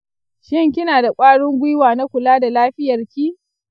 shin kina da ƙwarin gwiwa na kula da lafiyarki?